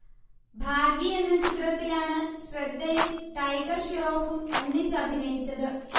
ഭാഗി എന്ന ചിത്രത്തിലാണ് ശ്രദ്ധയും ടൈഗർ ഷ്റോഫും ഒന്നിച്ചഭിനയിച്ചത്